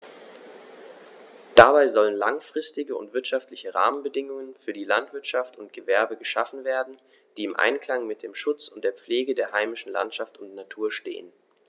Dabei sollen langfristige und wirtschaftliche Rahmenbedingungen für Landwirtschaft und Gewerbe geschaffen werden, die im Einklang mit dem Schutz und der Pflege der heimischen Landschaft und Natur stehen.